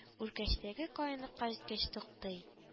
Үркәчтәге каенлыкка җиткәч туктый